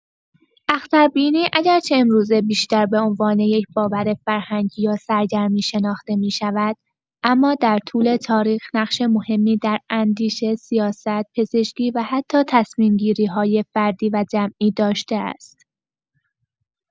اختربینی اگرچه امروزه بیشتر به‌عنوان یک باور فرهنگی یا سرگرمی شناخته می‌شود، اما در طول تاریخ نقش مهمی در اندیشه، سیاست، پزشکی و حتی تصمیم‌گیری‌های فردی و جمعی داشته است.